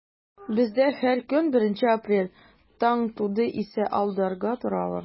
Бездә һәр көн беренче апрель, таң туды исә алдарга торалар.